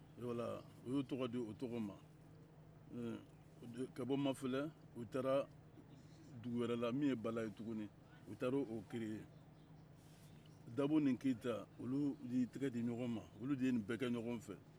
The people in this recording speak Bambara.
eh voila o y'o tɔgɔ di tɔgɔ ma ka bɔ mafele u taara dugu wɛrɛ la min ye bala ye tuguni u taara o creer dabo ni keyita olu ye u tɛgɛ di di ɲɔgɔn ma olu de ye nin bɛɛ kɛ ɲɔgɔn fɛ